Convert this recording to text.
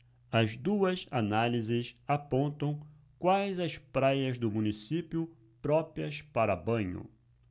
as duas análises apontam quais as praias do município próprias para banho